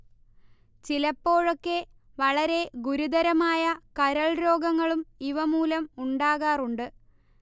ചിലപ്പോഴൊക്കെ വളരെ ഗുരുതരമായ കരൾരോഗങ്ങളും ഇവ മൂലം ഉണ്ടാകാറുണ്ട്